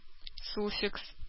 Суффикс